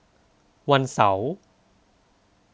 วันเสาร์